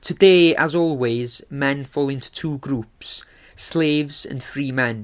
Today, as always, men fall into two groups, slaves and free men.